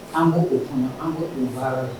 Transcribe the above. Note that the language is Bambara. An b'o kɔnɔ an b’o baara de